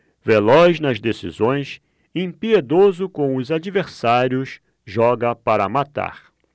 veloz nas decisões impiedoso com os adversários joga para matar